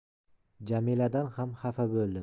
jamiladan ham xafa bo'ldim